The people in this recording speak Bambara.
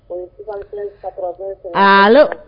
Sa